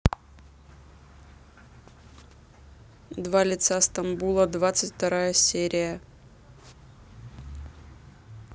два лица стамбула двадцать вторая серия